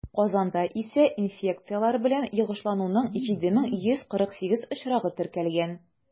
Казанда исә инфекцияләр белән йогышлануның 7148 очрагы теркәлгән.